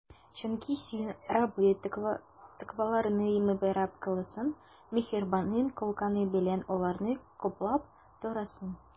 Чөнки Син, Раббы, тәкъваларны мөбарәк кыласың, миһербаның калканы белән аларны каплап торасың.